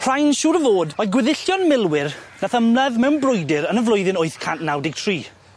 Rhain siŵr o fod oedd gweddillion milwyr nath ymladd mewn brwydyr yn y flwyddyn wyth cant naw deg tri.